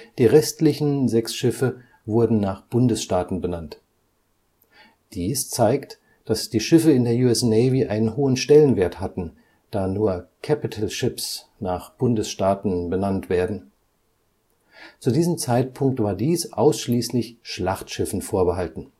Die restlichen sechs Schiffe wurden nach Bundesstaaten benannt. Dies zeigt, dass die Schiffe in der US-Navy einen hohen Stellenwert hatten, da nur capital ships nach Bundesstaaten benannt werden. Zu diesem Zeitpunkt war dies ausschließlich Schlachtschiffen vorbehalten